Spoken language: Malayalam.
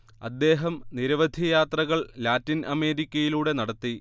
അദ്ദേഹം നിരവധി യാത്രകൾ ലാറ്റി ൻ അമേരിക്കയിലൂടെ നടത്തി